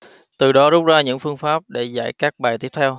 từ đó rút ra những phương pháp để giải các bài tiếp theo